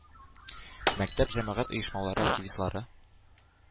Мәктәп җәмәгать оешмалары активистлары,